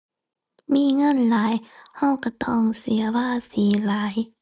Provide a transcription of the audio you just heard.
มีเงินหลายเราเราต้องเสียภาษีหลาย